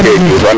jerejef